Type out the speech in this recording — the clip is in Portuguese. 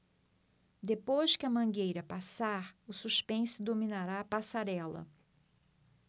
depois que a mangueira passar o suspense dominará a passarela